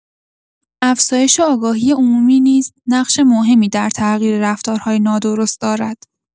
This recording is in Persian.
افزایش آگاهی عمومی نیز نقش مهمی در تغییر رفتارهای نادرست دارد.